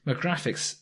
...ma'r graphics